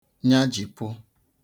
nyajipụ